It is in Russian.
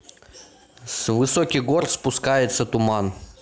с высоких гор спускается туман